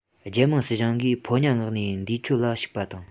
རྒྱལ དམངས སྲིད གཞུང གིས ཕོ ཉ མངགས ནས འདས མཆོད ལ ཞུགས པ དང